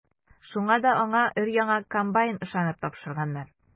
Шуңа да аңа өр-яңа комбайн ышанып тапшырганнар.